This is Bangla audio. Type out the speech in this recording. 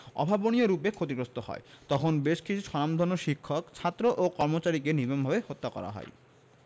অভাবনীয়রূপে ক্ষতিগ্রস্ত হয় তখন বেশ কিছু স্বনামধন্য শিক্ষক ছাত্র ও কর্মচারীকে নির্মমভাবে হত্যা করা হয়